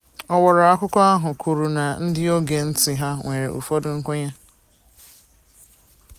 "Ọwara akụkọ ahụ kwuru na ndị ogee ntị ha nwere "ụfọdụ nkwenye"""